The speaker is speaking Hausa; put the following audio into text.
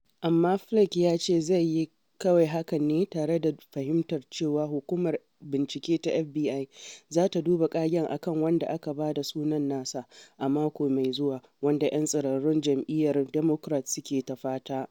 Amma Flake ya ce zai yi kawai hakan ne tare da fahimtar cewa hukumar bincike ta FBI za ta duba ƙagen a kan wanda aka ba da sunan nasa a mako mai zuwa, wanda ‘yan tsiraru jam’iyyar Democrat suke ta fata.